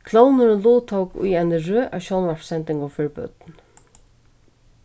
klovnurin luttók í eini røð av sjónvarpssendingum fyri børn